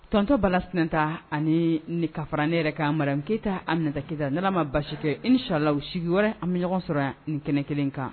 Tɔnontɔ balala sinta ani ka fara ne yɛrɛ ka mara keyita an minɛta keyita n' ma basi kɛ i ni sayanla sigiyɔrɔ an bɛ ɲɔgɔn sɔrɔ yan nin kɛnɛ kelen kan